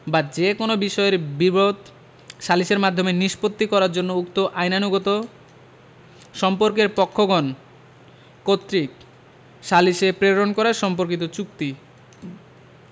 বা যে কোন বিষয়ের বিরোধ সালিসের মাধ্যমে নিষ্পত্তি করার জন্য উক্ত আইনানুগত সম্পর্কের পক্ষগণ কর্তৃক সালিসে প্রেরণ করা সম্পর্কিত চুক্তি